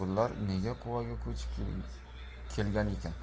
bu lar nega quvaga ko'chib kelganikin